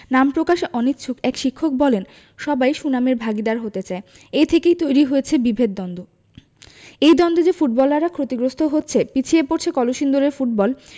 নাম প্রকাশে অনিচ্ছুক এক শিক্ষক বলেন সবাই সুনামের ভাগীদার হতে চায় এ থেকেই তৈরি হয়েছে বিভেদ দ্বন্দ্ব এই দ্বন্দ্বে যে ফুটবলাররা ক্ষতিগ্রস্ত হচ্ছে পিছিয়ে পড়ছে কলসিন্দুরের ফুটবল